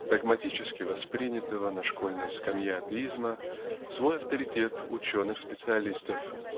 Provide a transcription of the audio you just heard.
догматически воспринятого на школьной скамье атеизма свой авторитет ученых специалистов